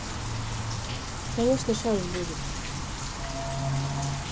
конечно шанс будет